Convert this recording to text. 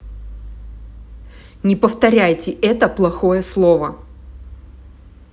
не повторяйте это плохое слово